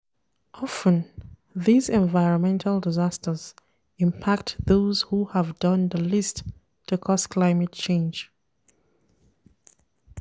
Often, these environmental disasters impact those who have done the least to cause climate change.